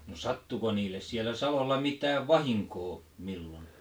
no sattuiko niille siellä salolla mitään vahinkoa milloin